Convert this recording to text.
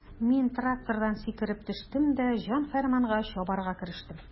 Мин трактордан сикереп төштем дә җан-фәрманга чабарга керештем.